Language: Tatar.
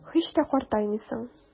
Һич тә картаймыйсың.